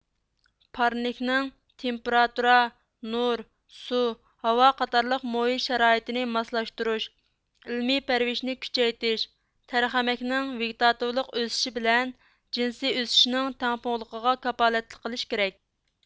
پارنىكنىڭ تېمپېراتۇرا نۇر سۇ ھاۋا قاتارلىق مۇھىت شارائىتىنى ماسلاشتۇرۇش ئىلمىي پەرۋىشنى كۈچەيتىش تەرخەمەكنىڭ ۋېگىتاتىۋلىق ئۆسۈشى بىلەن جىنسىي ئۆسۈشىنىڭ تەڭپۇڭلۇقىغا كاپالەتلىك قىلىش كېرەك